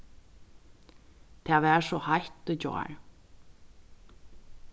tað var so heitt í gjár